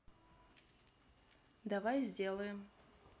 давай сделаем